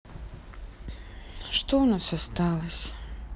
что у нас осталось